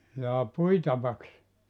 jaa puitavaksi